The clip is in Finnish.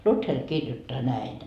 Luther kirjoittaa näin